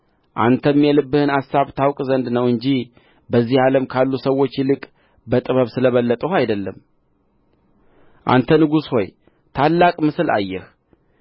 አንተም የልብህን አሳብ ታውቅ ዘንድ ነው እንጂ በዚህ ዓለም ካሉ ሰዎች ይልቅ በጥበብ ስለ በለጥሁ አይደለም አንተ ንጉሥ ሆይ ታላቅ ምስል አየህ